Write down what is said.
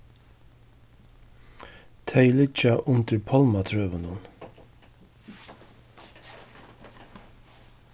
tey liggja undir pálmatrøunum